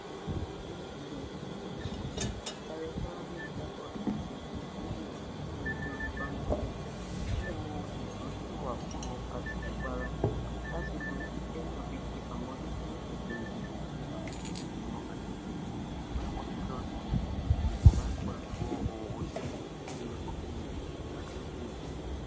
Ní ilẹ̀ Íjíbítì Tarek Shalaby jábọ̀ bí wọ́n ṣe fi kélé òfin gbé e lórí Bambuser, tí àwọn ètò sì wà fún àwọn ajìjàgbara láti lo iṣẹ́ náà fi ṣe àmójútó ètò ìdìbò ilé ìgbìmọ̀ aṣòfin pàápàá jùlọ nígbà tí ààyè kò bá gba àwọn òǹwòye ilẹ̀ òkèèrè láti ṣe bẹ́ẹ̀.